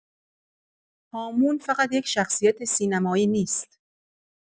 هامون فقط یک شخصیت سینمایی نیست؛